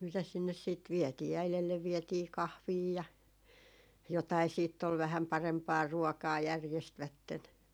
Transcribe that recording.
mitäs sinne sitten vietiin äidille vietiin kahvia ja jotakin sitten oli vähän parempaa ruokaa järjestivät